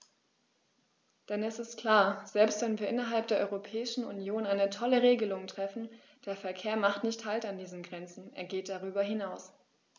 Denn es ist klar: Selbst wenn wir innerhalb der Europäischen Union eine tolle Regelung treffen, der Verkehr macht nicht Halt an diesen Grenzen, er geht darüber hinaus.